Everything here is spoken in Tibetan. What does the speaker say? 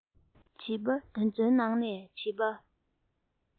བྱིས པ དེ ཚོའི ནང ནས བྱིས པ